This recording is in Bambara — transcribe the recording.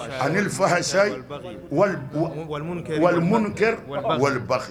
Anilfahasayi wali bakiyi wal wa wal munUkɛru wal baki